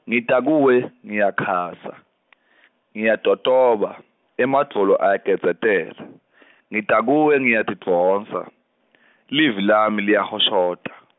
ngita kuwe ngiyakhasa , ngiyatotoba, emadvolo ayagedzetela , ngita kuwe ngiyatidvonsa , livi lami liyahoshota.